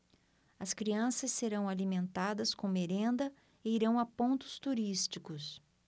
as crianças serão alimentadas com merenda e irão a pontos turísticos